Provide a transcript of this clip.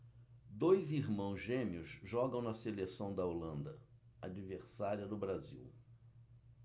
dois irmãos gêmeos jogam na seleção da holanda adversária do brasil